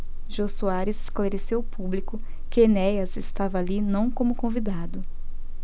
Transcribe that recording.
jô soares esclareceu ao público que enéas estava ali não como convidado